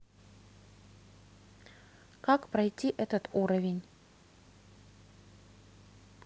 как пройти этот уровень